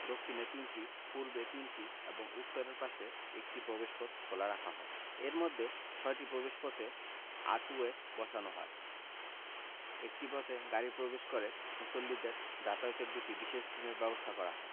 দক্ষিণে তিনটি পূর্বে তিনটি এবং উত্তর পাশে একটি প্রবেশপথ খোলা রাখা হয় এর মধ্যে ছয়টি প্রবেশপথে আর্চওয়ে বসানো হয় একটি পথ গাড়ি প্রবেশ করে মুসল্লিদের যাতায়াতে দুটি বিশেষ ট্রেনের ব্যবস্থা করা হয়